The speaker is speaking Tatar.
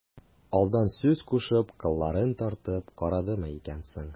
Алдан сүз кушып, кылларын тартып карадымы икән соң...